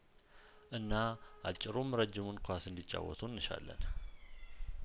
እና አጭሩም ረጅሙንም ኳስ እንዲጫወቱ እንሻለን